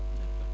d' accord